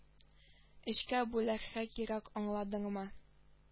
Өчкә бүләргә кирәк аңладыңмы